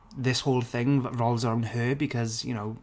This whole thing revolves around her because you know